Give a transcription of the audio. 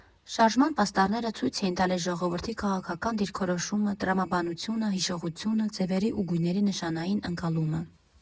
Շարժման պաստառները ցույց էին տալիս ժողովրդի քաղաքական դիրքորոշումը, տրամադրությունը, հիշողությունը, ձևերի ու գույների նշանային ընկալումը։